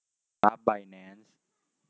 กราฟไบแนนซ์